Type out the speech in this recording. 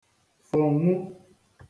fùnwu